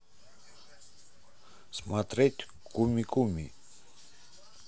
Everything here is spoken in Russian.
смотреть куми куми